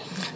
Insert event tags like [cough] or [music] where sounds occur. [breath] [hesitation] [hesitation]